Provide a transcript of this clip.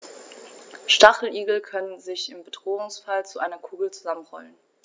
Stacheligel können sich im Bedrohungsfall zu einer Kugel zusammenrollen.